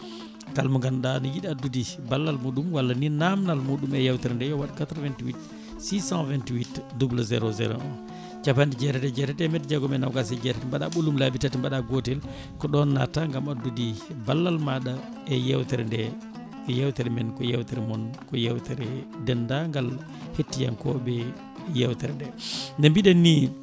kalmo ganduɗa ne yiiɗi addude ballal muɗum walla ni namdal muɗume yewtere nde yo waat 88 628 00 01 caoanɗe jeetati e jeetati temedde jeegom nogas jeetati mbaɗa ɓoolum laabi tati mbaɗo gotel ko ɗon natta gaam addude ballal maɗa e yewtere nde yewtere men ko yewtere moon ko yewtere dendagal hettiyankoɓe yewtere nde no mbiɗen ni